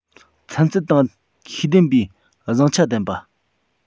ཚན རྩལ དང ཤེས ལྡན པའི བཟང ཆ ལྡན པ